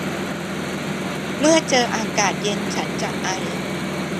เมื่อเจออากาศเย็นฉันจะไอ